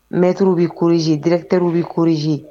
Mturu bɛrize dteruruw bɛrize